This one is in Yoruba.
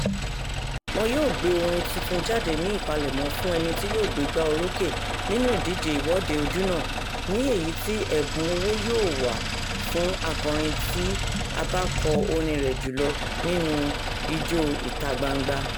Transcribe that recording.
Wọn yóò gbé orin tuntun jáde ní ìpalẹ̀mọ́ fún ẹni tí yóò gbégbáorókè nínú ìdíje Ìwọ́de Ojúná, ní èyí tí ẹ̀bùn owó yóò wà fún akọrin tí a bá kọ orin rẹ̀ jù lọ nínú Ijó ìta-gbangba.